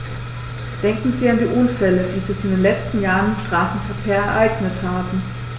Denken Sie an die Unfälle, die sich in den letzten Jahren im Straßenverkehr ereignet haben.